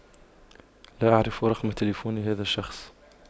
لا اعرف رقم تلفون هذا الشخص